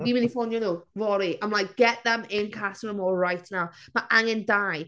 Dwi'n mynd i ffonio nhw fory. I'm like, "Get them in Casa Amor right now." Mae angen dau.